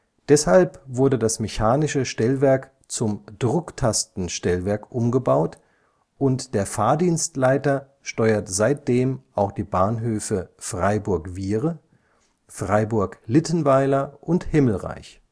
Deshalb wurde das mechanische Stellwerk zum Drucktastenstellwerk umgebaut und der Fahrdienstleiter steuert seitdem auch die Bahnhöfe Freiburg-Wiehre, Freiburg-Littenweiler und Himmelreich